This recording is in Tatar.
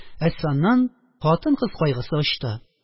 Әсфаннан хатын-кыз кайгысы очты